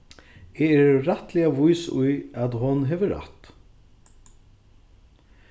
eg eri rættiliga vís í at hon hevur rætt